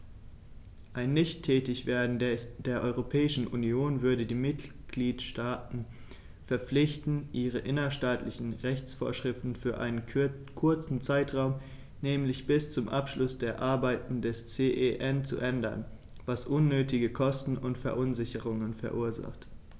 Ein Nichttätigwerden der Europäischen Union würde die Mitgliedstaten verpflichten, ihre innerstaatlichen Rechtsvorschriften für einen kurzen Zeitraum, nämlich bis zum Abschluss der Arbeiten des CEN, zu ändern, was unnötige Kosten und Verunsicherungen verursacht.